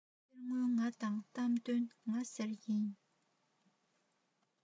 གསེར དངུལ ང དང གཏམ དོན ང ཟེར ཞིང